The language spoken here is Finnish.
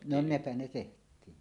no nepä ne tehtiin